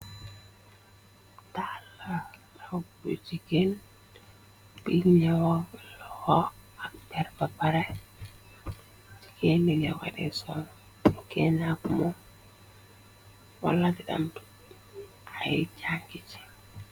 Taala law bu ci kenn bi ñawalu xo ak derba bare ci kenbi ña xati sol bu kennak mo wala ti dam ay jàngi ci.